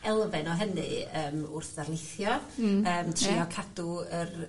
elfen o hynny yym wrth ddarlithio... Hmm. ...yn trio cadw yr